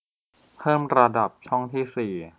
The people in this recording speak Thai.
เพิ่มระดับช่องที่สี